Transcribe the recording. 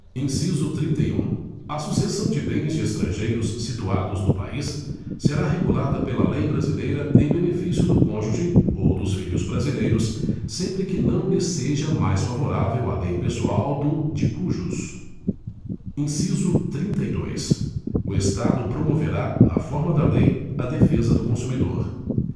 inciso trinta e um a sucessão de bens de estrangeiros situados no país será regulada pela lei brasileira em benefício do cônjuge ou dos filhos brasileiros sempre que não lhes seja mais favorável a lei pessoal do de cujus inciso trinta e dois o estado promoverá na forma da lei a defesa do consumidor